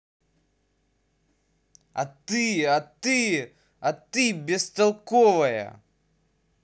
а ты а ты а ты бестолковая